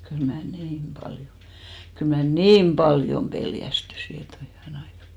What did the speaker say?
kyllä minä niin paljon kyllä minä niin paljon pelästyin että oi hyvänen aika